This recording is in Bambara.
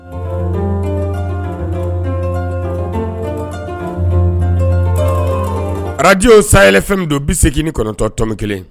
Radio sayɛli FM do 89.1